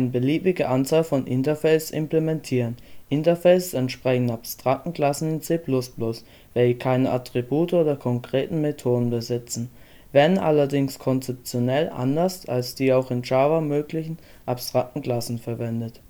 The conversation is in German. beliebige Anzahl von Interfaces implementieren. Interfaces entsprechen abstrakten Klassen in C++, welche keine Attribute oder konkrete Methoden besitzen, werden allerdings konzeptionell anders als die auch in Java möglichen abstrakten Klassen verwendet